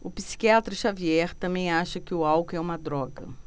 o psiquiatra dartiu xavier também acha que o álcool é uma droga